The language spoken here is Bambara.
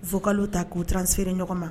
Foka ta k'uti seere ɲɔgɔn ma